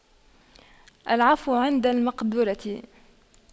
العفو عند المقدرة